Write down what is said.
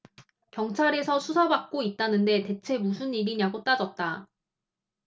경찰에서 수사받고 있다는데 대체 무슨 일이냐고 따졌다